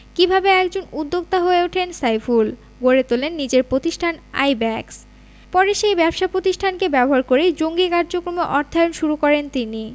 কীভাবে একজন উদ্যোক্তা হয়ে ওঠেন সাইফুল গড়ে তোলেন নিজের প্রতিষ্ঠান আইব্যাকস পরে সেই ব্যবসা প্রতিষ্ঠানকে ব্যবহার করেই জঙ্গি কার্যক্রমে অর্থায়ন শুরু করেন তিনি